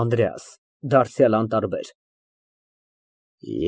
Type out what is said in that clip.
ԱՆԴՐԵԱՍ ֊ (Դարձյալ անտարբեր)։